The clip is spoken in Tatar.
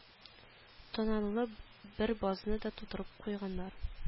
Тонналы бер базны да тутырып куйганнар